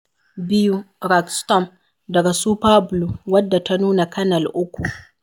2. "Rag Storm" daga Super Blue, wadda ta nuna Canal 3.